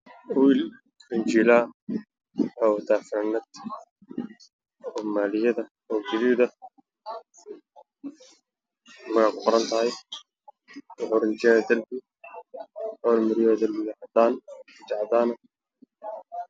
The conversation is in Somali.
Bishaan waxaa ka muuqdo nin wato fahmi guduuda iyo su-aal caddaana waxa uu reenayaa guri darbigiisa